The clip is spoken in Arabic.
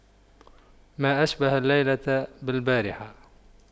ما أشبه الليلة بالبارحة